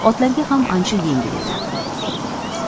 otlarga ham ancha yengil edi